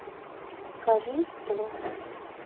скажи сто